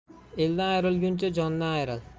eldan ayrilguncha jondan ayril